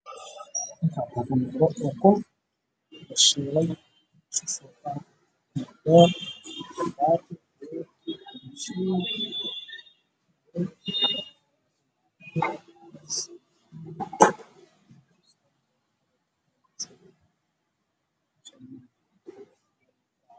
Waa ukun la shiilay jabati iyo hilib